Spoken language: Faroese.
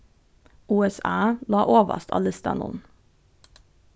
usa lá ovast á listanum